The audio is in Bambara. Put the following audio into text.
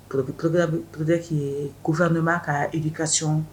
Urteki ye kofab b'a ka i bɛ kasɔn